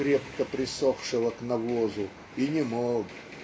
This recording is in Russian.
крепко присохшего к навозу и не мог".